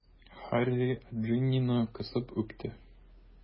Һарри Джиннины кысып үпте.